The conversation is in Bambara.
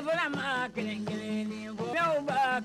Tileba kelen kelen kunba